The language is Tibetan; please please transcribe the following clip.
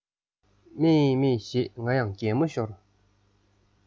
མཱེ མཱེ ཞེས ང ཡང གད མོ ཤོར